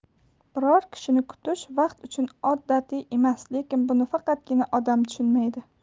biror kishini kutish vaqt uchun odatiy emas lekin buni faqatgina odam tushunmaydi